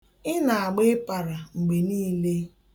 Ị na-agba ịpara mgbe niile.